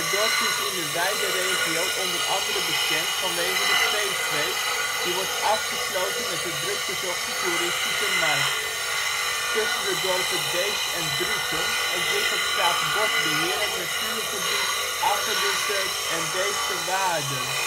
dorp is in de wijde regio onder andere bekend vanwege de feestweek, die wordt afgesloten met de drukbezochte toeristische markt. Tussen de dorpen Deest en Druten ontwikkelt Staatsbosbeheer het natuurgebied Afferdense en Deestse Waarden